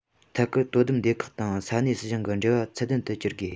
ཐད ཀར དོ དམ སྡེ ཁག དང ས གནས སྲིད གཞུང གི འབྲེལ བ ཚད ལྡན དུ བསྒྱུར དགོས